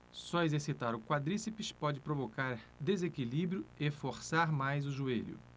só exercitar o quadríceps pode provocar desequilíbrio e forçar mais o joelho